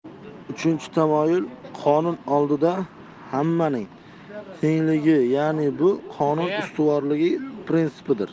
uchinchi tamoyil qonun oldida hammaning tengligi ya'ni bu qonun ustuvorligi prinsipidir